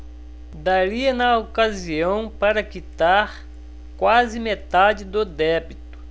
daria na ocasião para quitar quase metade do débito